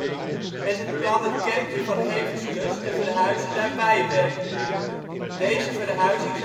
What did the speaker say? met het plan het kerkje van Heveskes te verhuizen naar Weiwerd. Deze verhuizing